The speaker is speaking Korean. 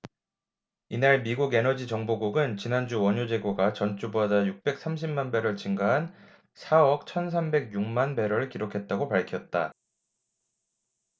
이날 미국 에너지정보국은 지난주 원유 재고가 전주보다 육백 삼십 만 배럴 증가한 사 억 천 삼백 여섯 만배럴을 기록했다고 밝혔다